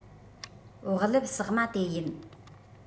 བག ལེབ བསྲེགས མ དེ ཡིན